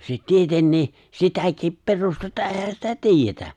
se tietenkin sitäkin perustetta eihän sitä tiedetä